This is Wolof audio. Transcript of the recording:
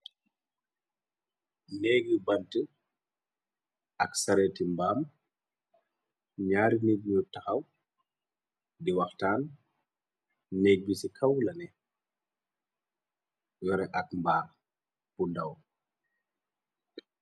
Nègii bant ak sareti mbaam, ñaari nit ñu taxaw di waxtaan. Nèg bi si kaw la neh yoré ak mbaal gu ndaw.